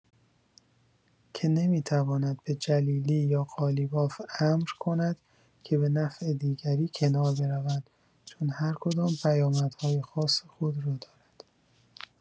که نمی‌تواند به جلیلی یا قالیباف امر کند که به نفع دیگری کنار بروند، چون هر کدام پیامدهای خاص خود را دارد.